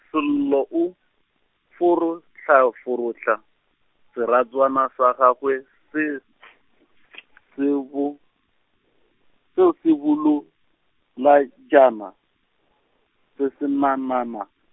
Sello o, forohlaforohla, serotswana sa gagwe se , se bo, se o se bolo la, -tšana, se senanana.